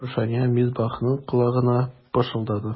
Рушания Мисбахның колагына пышылдады.